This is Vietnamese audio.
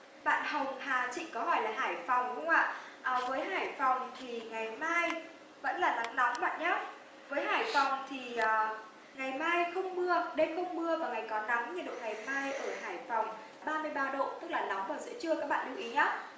bạn hồng hà chị có hỏi là hải phòng đúng không ạ ờ với hải phòng thì ngày mai vẫn là nắng nóng bạn nhá với hải phòng thì ngày mai không mưa đêm không mưa và ngày có nắng nhiệt độ ngày mai ở hải phòng ba mươi ba độ tức là nóng vào giữa trưa các bạn lưu ý nhá